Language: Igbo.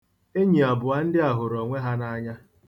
Enyi abụọ ndị a hụrụ onwe ha n'anya.